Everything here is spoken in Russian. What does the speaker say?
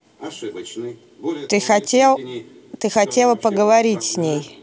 ты хотела поговорить с ней